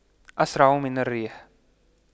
أسرع من الريح